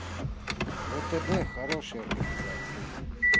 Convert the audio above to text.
втб хорошая организация